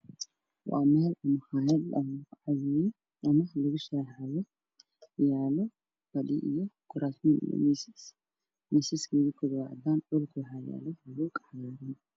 Waa meel maqaayad ah lagu qadeeyo ama lagu seexeeyo waxaa yaalo kuraas iyo miisaas kuraasta kale erdogan miisaskan waa madow